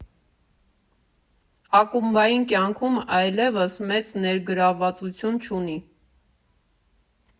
Ակումբային կյանքում այլևս մեծ ներգրավվածություն չունի։